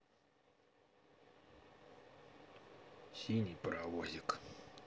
синий паровозик